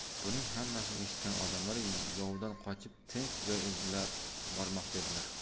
buning hammasini eshitgan odamlar yovdan qochib tinch joy izlab bormoqda edilar